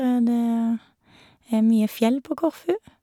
Det er mye fjell på Korfu.